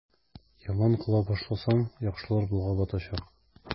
Яман кыла башласаң, яхшылар болгап атачак.